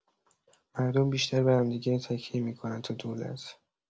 مردم بیشتر به همدیگه تکیه می‌کنن تا دولت.